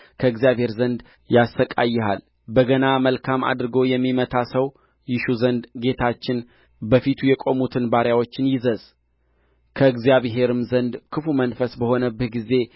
ከእግዚአብሔር ዘንድ ያሠቃይሃል በገና መልካም አድርጎ የሚመታ ሰው ይሹ ዘንድ ጌታችን በፊቱ የሚቆሙትን ባሪያዎቹን ይዘዝ ከእግዚአብሔርም ዘንድ ክፉ መንፈስ በሆነብህ ጊዜ